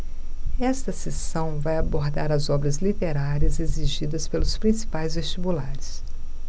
esta seção vai abordar as obras literárias exigidas pelos principais vestibulares